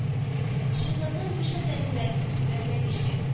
Шигырьнең русча тәрҗемәсе түбәндәгечә: